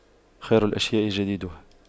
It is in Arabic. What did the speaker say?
خير الأشياء جديدها